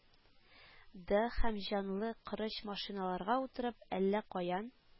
Ды, һәм җанлы корыч машиналарга утырып, әллә каян